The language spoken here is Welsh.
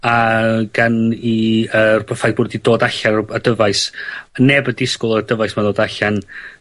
a gan i yy bo' ffaith bo nw wedi dod allan rwb- â dyfais. O' neb y disgwyl y dyfais 'ma dod allan.